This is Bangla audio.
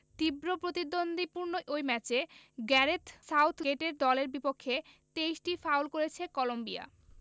তীব্র প্রতিদ্বন্দ্বিপূর্ণ ওই ম্যাচে গ্যারেথ সাউথগেটের দলের বিপক্ষে ২৩টি ফাউল করেছে কলম্বিয়া